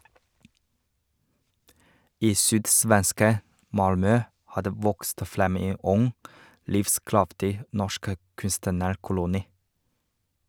I sydsvenske Malmö har det vokst frem en ung, livskraftig norsk kunstnerkoloni.